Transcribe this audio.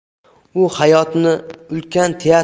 u hayotni ulkan teatr